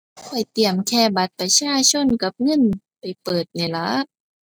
ข้อยเตรียมแค่บัตรประชาชนกับเงินไปเปิดนี่ล่ะ